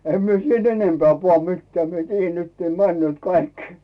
en minä sitten enempää pane mitään minä tiedän nyt ne menevät kaikki